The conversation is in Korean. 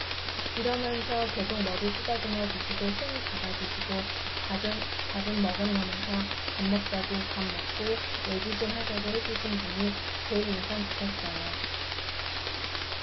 이러면서 계속 머리 쓰다듬어주시고 손 잡아주시고 밥은 먹었냐면서 밥 먹자고 밥 먹고 얘기 좀 하자고 해 주신 분이 제일 인상 깊었어요